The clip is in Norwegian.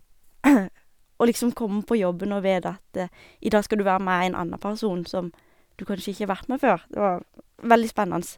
Å liksom komme på jobben og vite at i dag skal du være med en anna person som du kanskje ikke har vært med før, det var veldig spennende.